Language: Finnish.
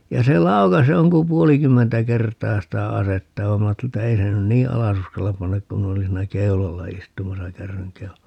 ja se laukaisi jonkun puolikymmentä kertaa sitä asetta vaan minä ajattelin että ei se nyt niin alas uskalla panna kun minä olin siinä keulalla istumassa kärryn keulalla